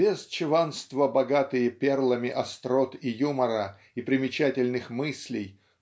без чванства богатые перлами острот и юмора и примечательных мыслей